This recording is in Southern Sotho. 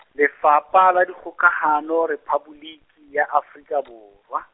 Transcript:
Lefapha la Dikgokahano, Rephaboliki ya Afrika Borwa.